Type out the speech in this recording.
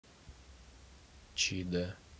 чи да